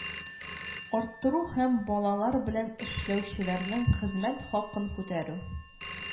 Арттыру һәм балалар белән эшләүчеләрнең хезмәт хакын күтәрү